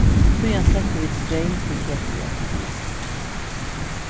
síðani settu vit streym til ketilin